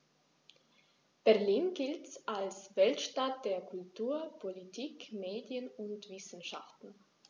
Berlin gilt als Weltstadt der Kultur, Politik, Medien und Wissenschaften.